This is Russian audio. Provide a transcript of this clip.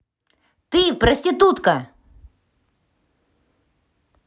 ты проститутка